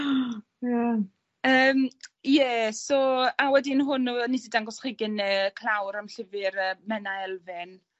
O! Ie. Yym ie so a wedyn hwn o yy nes i dangos i chi gyne y clawr am llyfyr yy Menna Elfyn.